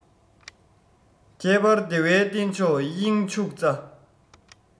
ཁྱད པར བདེ བའི རྟེན མཆོག དབྱིངས ཕྱུག རྩ